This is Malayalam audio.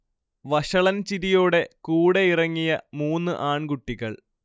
വഷളൻ ചിരിയോടെ കൂടെ ഇറങ്ങിയ മൂന്ന് ആൺകുട്ടികൾ